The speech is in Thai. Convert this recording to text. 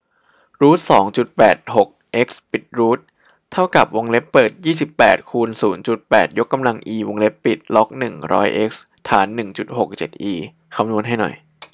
รูทสองจุดแปดหกเอ็กซ์จบรูทเท่ากับวงเล็บเปิดยี่สิบแปดคูณศูนย์จุดแปดยกกำลังอีวงเล็บปิดล็อกหนึ่งร้อยเอ็กซ์ฐานหนึ่งจุดหกเจ็ดอีคำนวณให้หน่อย